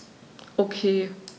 Okay.